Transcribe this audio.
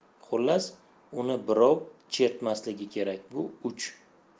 xullas uni birov chertmasligi kerak bu uch